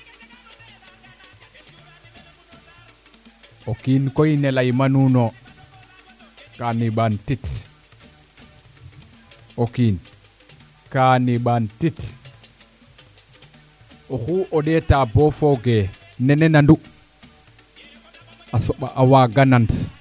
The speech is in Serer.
o kiin koy ne ley ma nuun no ka neɓaan tit o kiin ka neɓaan tit oxu o ndeeta bo fooge nene nandu a soɓa a waaga nand